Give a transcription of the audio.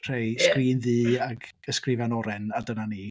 Rhai... ia. ...sgrin ddu ac ysgrifen oren, a dyna ni.